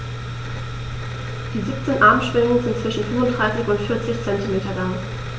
Die 17 Armschwingen sind zwischen 35 und 40 cm lang.